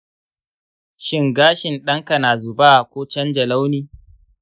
shin gashin ɗan ka na zuba ko canza launi?